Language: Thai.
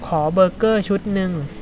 ขอเบอร์เกอร์ชุดหนึ่ง